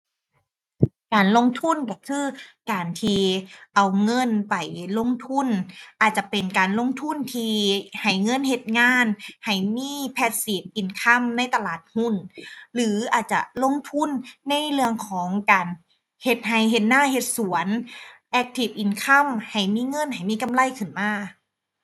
การลงทุนก็คือการที่เอาเงินไปลงทุน อาจจะเป็นการลงทุนที่ให้เงินเฮ็ดงาน ให้มี passive income ในตลาดหุ้น หรืออาจจะลงทุนในเรื่องของการเฮ็ดก็ เฮ็ดนา เฮ็ดสวน active income ให้มีเงิน ให้มีกำไรขึ้นมา